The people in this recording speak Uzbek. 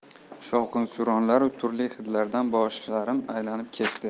shovqin suronlaru turli hidlardan boshim aylanib ketdi